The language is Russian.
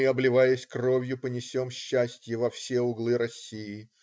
Мы, обливаясь кровью, понесем счастье во все углы России.